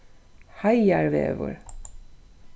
heiðarvegur